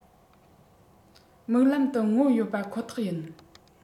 མིག ལམ དུ མངོན ཡོད པ ཁོ ཐག ཡིན